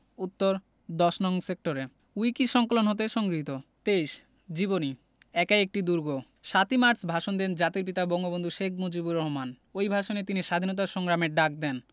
উত্তরঃ ১০নং সেক্টরে উইকিসংকলন হতে সংগৃহীত ২৩ জীবনী একাই একটি দুর্গ ৭ই মার্চ ভাষণ দেন জাতির পিতা বঙ্গবন্ধু শেখ মুজিবুর রহমান ওই ভাষণে তিনি স্বাধীনতা সংগ্রামের ডাক দেন